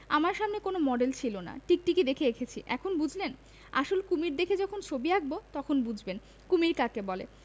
আমার সামনে কোন মডেল ছিল না টিকটিকি দেখে এঁকেছি এখন বুঝলেন আসল কমীর দেখে যখন ছবি আঁকব তখন বুঝবেন কুমীর কাকে বলে